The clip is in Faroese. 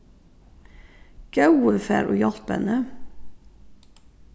góði far og hjálp henni